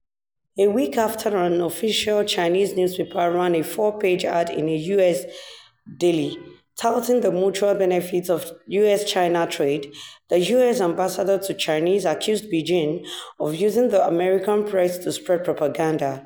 U.S. President Donald Trump last Wednesday referred to the China Daily's paid supplement in the Des Moines Register - the state of Iowa's biggest selling newspaper - after accusing China of seeking to meddle in the Nov. 6 U.S. congressional elections, a charge China denies.